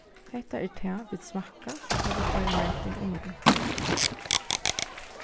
hetta er tað vit smakka tá vit koyra matin í munnin